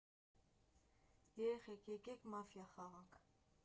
Երեխեք, եկեք մաֆիա խաղանք։